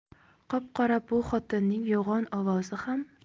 qop qora buxotinning yo'g'on ovozi ham